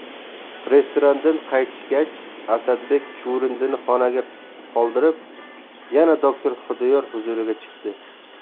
restorandan qaytishgach asadbek chuvrindini xonada qoldirib yana doktor xudoyor huzuriga chiqdi